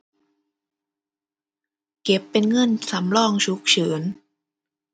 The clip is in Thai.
เก็บเป็นเงินสำรองฉุกเฉิน